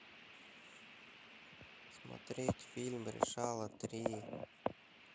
смотреть фильм решала три